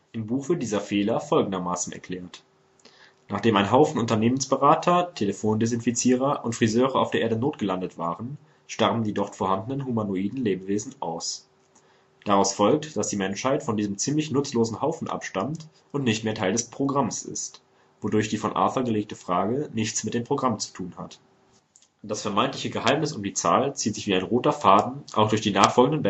Im Buch wird dieser „ Fehler “folgendermaßen erklärt: Nachdem ein Haufen Unternehmensberater, Telefondesinfizierer und Frisöre auf der Erde notgelandet waren, starben die dort vorhandenen humanoiden Lebewesen aus. Daraus folgt, dass die Menschheit von diesem ziemlich nutzlosen Haufen abstammt und nicht mehr Teil des „ Programms “ist, wodurch die von Arthur gelegte Frage nichts mit dem Programm zu tun hat. Das vermeintliche Geheimnis um die Zahl zieht sich wie ein roter Faden auch durch die nachfolgenden